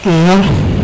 iyo